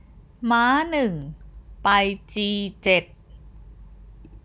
ม้าหนึ่งไปจีเจ็ด